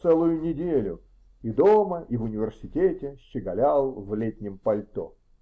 Целую неделю и дома, и в университете щеголял в летнем пальто.